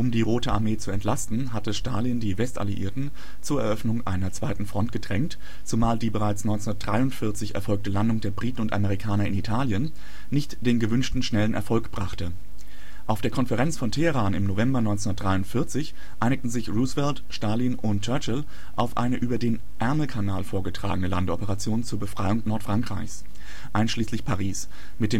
die Rote Armee zu entlasten, hatte Stalin die Westalliierten zur Eröffnung einer zweiten Front gedrängt, zumal die bereits 1943 erfolgte Landung der Briten und Amerikaner in Italien nicht den gewünschten schnellen Erfolg brachte. Auf der Konferenz von Teheran im November 1943 einigten sich Roosevelt, Stalin und Churchill auf eine über den Ärmelkanal vorgetragene Landeoperation zur Befreiung Nordfrankreichs, einschließlich Paris, mit